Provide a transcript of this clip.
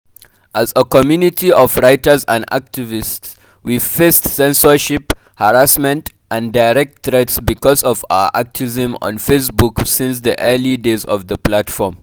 As a community of writers and activists, we’ve faced censorship, harassment and direct threats because of our activism on Facebook since the early days of the platform.